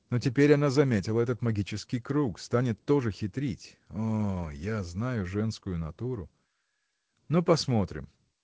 но теперь она заметила этот магический круг: станет тоже хитрить. о, я знаю женскую натуру! Но посмотрим.